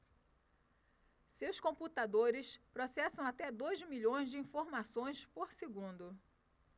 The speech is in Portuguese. seus computadores processam até dois milhões de informações por segundo